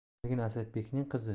lekin asadbekning qizi